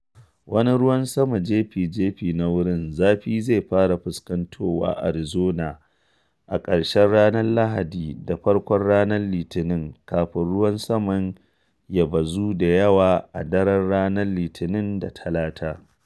Wani ruwan sama jifa-jifa na wurin zafi zai fara fuskantowa Arizona a ƙarshen ranar Lahadi da farkon ranar Litinin, kafin ruwan saman ya bazu da yawa a daren ranar Litinin da Talata.